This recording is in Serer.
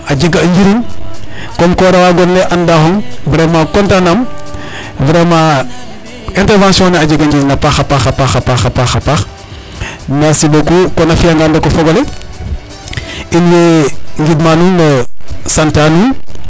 A jega o njiriñ comme ko rawaa gon le anddaxong vraiment content nam vraiment intervention ;fra ne a jega njiriñ a paax a paax a paax a paax merci beaucoup kon a fi'angan rek o fog ole in way ngidma nuun sante'a nuun.